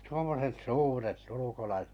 tuommoiset suuret ulkolaiset